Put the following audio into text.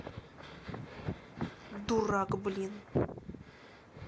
дурак блин